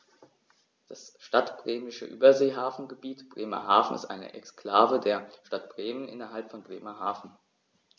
Das Stadtbremische Überseehafengebiet Bremerhaven ist eine Exklave der Stadt Bremen innerhalb von Bremerhaven.